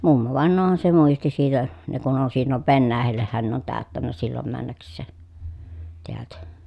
mummovainajahan se muisti siitä ne kun on silloin Venäjällehän ne on täyttänyt silloin mennäkseen täältä